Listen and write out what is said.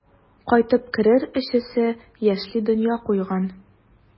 Кайтып керер өчесе яшьли дөнья куйган.